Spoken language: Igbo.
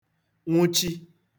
nwụchi